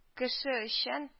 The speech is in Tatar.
Кеше өчен